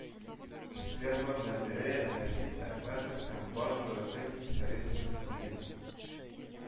Ферма мөдире Рәфит Әхмәтов һәм баш зоотехник Фәрит Фәсхетдинов